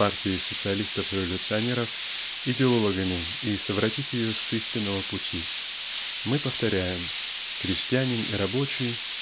партии социалистов-революционеров) идеологами и совратить ее с истинного пути. Мы повторяем крестьянин и рабочий